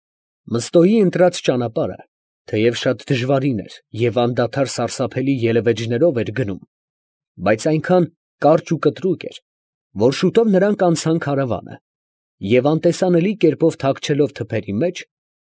Մըստոյի ընտրած ճանապարհը, թեև շատ դժվարին էր և անդադար սարսափելի ելևէջներով էր գնում, բայց այնքան կարճ և կտրուկ էր, որ շուտով նրանք անցան քարավանը, և անտեսանելի կերպով թաքչելով թփերի մեջ,